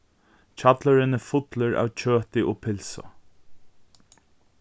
hjallurin er fullur av kjøti og pylsu